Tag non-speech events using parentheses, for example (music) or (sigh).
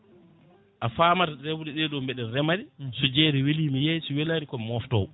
a famat remre ɗeɗo mbeɗa remaɗe (smacks lips) so jeere weeli mi yeeya so welani komi moftowo